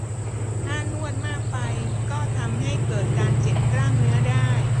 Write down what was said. ถ้านวดมากไปก็ทำให้เกิดการเจ็บกล้ามเนื้อได้